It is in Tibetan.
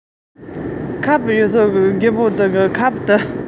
ཁྱོད ཀྱི སྨ ར དེ གཞར ན བདེ